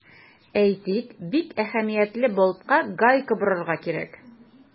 Әйтик, бер әһәмиятле болтка гайка борырга кирәк.